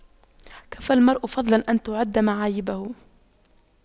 كفى المرء فضلا أن تُعَدَّ معايبه